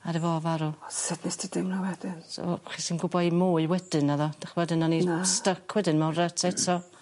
Aru fo farw. O sut nes di deimlo wedyn? So ches i'm gwbo 'im mwy wedyn naddo 'dych ch'mod 'yn o'n i... Na ...styc wedyn mewn rut eto.